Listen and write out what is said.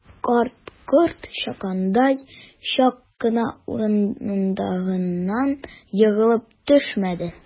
Карт, корт чаккандай, чак кына урындыгыннан егылып төшмәде.